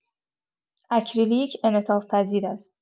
اکریلیک انعطاف‌پذیر است؛